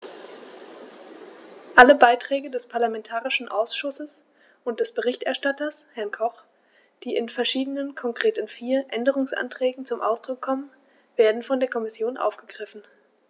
Alle Beiträge des parlamentarischen Ausschusses und des Berichterstatters, Herrn Koch, die in verschiedenen, konkret in vier, Änderungsanträgen zum Ausdruck kommen, werden von der Kommission aufgegriffen.